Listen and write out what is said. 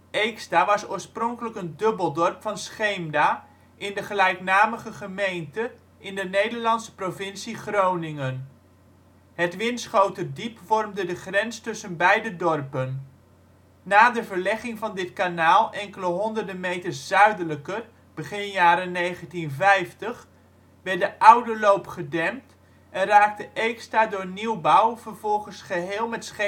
Eexta was oorspronkelijk een dubbeldorp van Scheemda in de gelijknamige gemeente in de Nederlandse provincie Groningen. Het Winschoterdiep vormde de grens tussen beide dorpen. Naar de verlegging van dit kanaal enkele honderden meters zuidelijker begin jaren 1950 werd de oude loop gedempt en raakte Eexta door nieuwbouw vervolgens geheel met